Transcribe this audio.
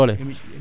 yokk ko doole